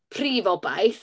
prif obaith.